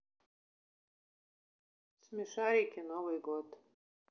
смешарики новый год